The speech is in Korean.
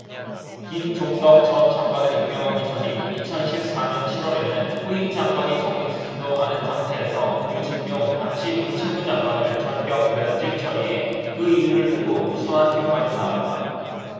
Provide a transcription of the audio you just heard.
김종덕 전 장관을 임명하기 전인 이천 십 사 년 칠 월에는 후임 장관이 정해지지도 않은 상태에서 유진룡 당시 문체부 장관을 전격 면직 처리해 그 이유를 두고 무수한 뒷말을 낳았다